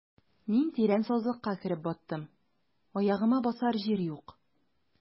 Мин тирән сазлыкка кереп баттым, аягыма басар җир юк.